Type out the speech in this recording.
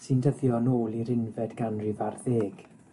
sy'n dyddio yn ôl i'r unfed ganrif ar ddeg